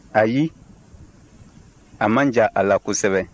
ayi a man jan a la kosɛbɛ